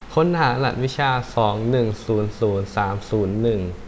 ค้นหารหัสวิชาสองหนึ่งศูนย์ศูนย์สามศูนย์หนึ่ง